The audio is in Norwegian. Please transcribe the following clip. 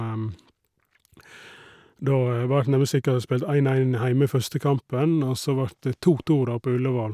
Da vart det nemlig slik at de spilte én én hjemme første kampen, og så vart det to to, da, på Ullevål.